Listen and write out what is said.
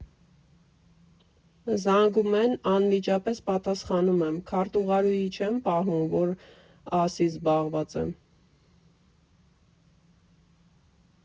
Զանգում են, անմիջապես պատասխանում եմ՝ քարտուղարուհի չեմ պահում, որ ասի զբաղված եմ։